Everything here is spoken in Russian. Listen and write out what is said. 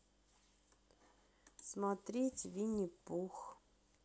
смотреть винни пух